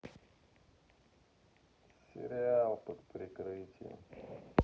сериал под прикрытием